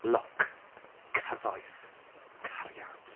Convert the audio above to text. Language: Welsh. Lwc. Cyfoeth. Cariad.